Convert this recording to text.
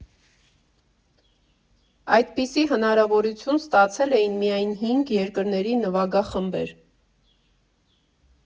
Այդպիսի հնարավորություն ստացել էին միայն հինգ երկրների նվագախմբեր։